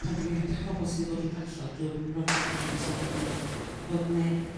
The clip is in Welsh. pan dyn ni'n edrych y fobol sy 'di bod drw' drallod drw' brofiada' andros o anodd bod 'ne...